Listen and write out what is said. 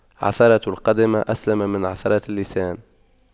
عثرة القدم أسلم من عثرة اللسان